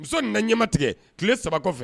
Muso nana na ɲɛma tigɛ tile 3 kɔfɛ!